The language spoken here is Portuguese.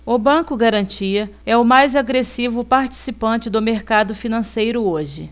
o banco garantia é o mais agressivo participante do mercado financeiro hoje